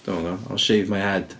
Dwi'm yn gwybod. I'll shave my head.